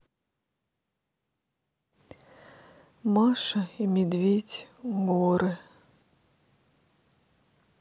маша и медведь горы